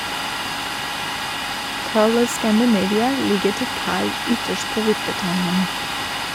"Pearl of Scandinavia" ligger til kai ytterst på Vippetangen.